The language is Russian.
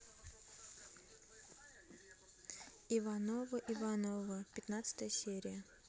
ивановы ивановы пятнадцатая серия